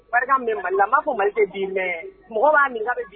Barika min b Mali la n ma fɔ ko Mali tɛ bin mais mɔgw b'a ɲini k'a